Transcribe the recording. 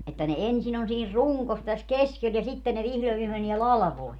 että ne ensin on siinä rungossa tässä keskellä ja sitten ne vihdoin ja viimein menee latvoihin